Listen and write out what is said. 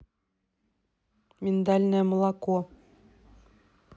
миндальное молоко